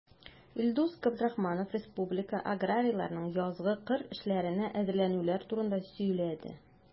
Илдус Габдрахманов республика аграрийларының язгы кыр эшләренә әзерләнүләре турында сөйләде.